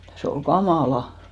se oli kamalaa